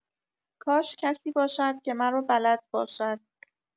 کاش کسی باشدکه مرا بلد باشد!